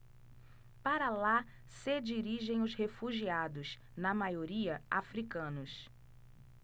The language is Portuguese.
para lá se dirigem os refugiados na maioria hútus